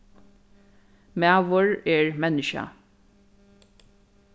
maður er menniskja